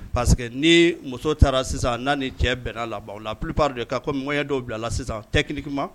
Parce que ni muso taara sisan n'a ni cɛ bɛnna laban la ppiri de' ko ŋya dɔw bila la sisan tɛ